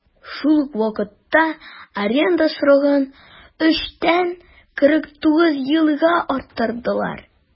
Шул ук вакытта аренда срогын 3 тән 49 елга арттырдылар.